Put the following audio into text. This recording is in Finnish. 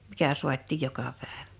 mikä saatiin joka päivä